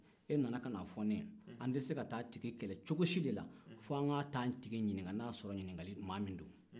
e nana ka na fɔ ne ɲɛna an tɛ se ka taa a tigi kɛlɛ cogosi de la f'an ka t'a tigi ɲininka maa min don